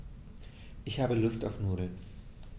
Ich habe Lust auf Nudeln.